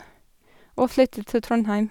Og flyttet til Trondheim.